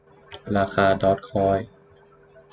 ราคาดอร์จคอย